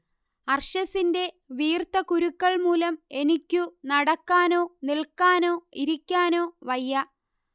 അർശസിന്റെ വീർത്ത കുരുക്കൾ മൂലം എനിക്കു നടക്കാനോ നിൽക്കാനോ ഇരിക്കാനോ വയ്യ